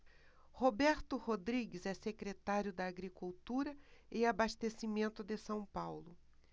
roberto rodrigues é secretário da agricultura e abastecimento de são paulo